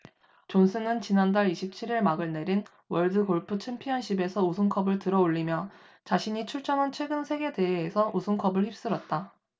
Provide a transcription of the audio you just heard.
존슨은 지난달 이십 칠 일 막을 내린 월드골프챔피언십에서 우승컵을 들어 올리며 자신이 출전한 최근 세 개 대회에서 우승컵을 휩쓸었다